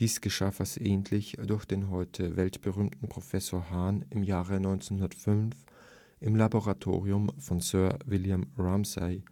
Dies geschah versehentlich durch den heute weltberühmten Professor Hahn im Jahre 1905 im Laboratorium von Sir William Ramsay